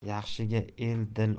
yaxshiga el dil